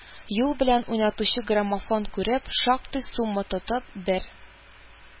Юл белән уйнатучы граммофон күреп, шактый сумма тотып, бер